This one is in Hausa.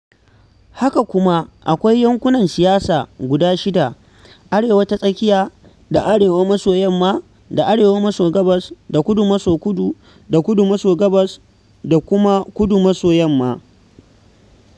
Haka kuma, akwai yankunan siyasa guda shida: Arewa ta Tsakiya da Arewa -Maso-Yamma da Arewa-Maso-Gabas da Kudu-Maso-Kudu da Kudu-Maso-Gabas da kuma kudu-Maso-Yamma.